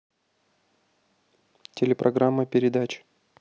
телепрограмма передач